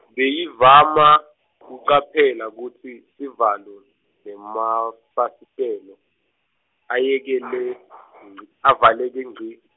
Beyivama, kucaphela kutsi, sivalo, nemafasitelo, ayekele, ngci, avaleke ngci.